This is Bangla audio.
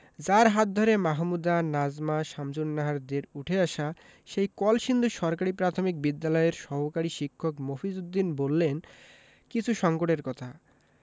যাঁর হাত ধরে মাহমুদা নাজমা শামসুন্নাহারদের উঠে আসা সেই কলসিন্দুর সরকারি প্রাথমিক বিদ্যালয়ের সহকারী শিক্ষক মফিজ উদ্দিন বললেন কিছু সংকটের কথা